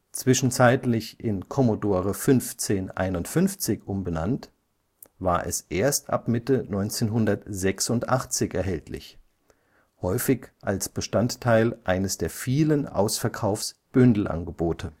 Zwischenzeitlich in Commodore 1551 umbenannt, war es erst ab Mitte 1986 erhältlich, häufig als Bestandteil eines der vielen Ausverkaufs-Bündelangebote